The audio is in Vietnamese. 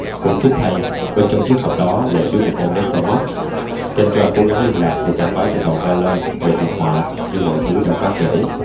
khủng khiếp thay bên trong chiếc hộp đó lại chứa một con necromorph kendra cố gắng liên lạc để cảnh báo cho tàu valor về hiểm họa nhưng mọi thứ đã quá trễ